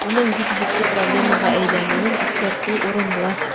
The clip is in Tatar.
Моның бик җитди проблемага әйләнүен искәртү урынлы.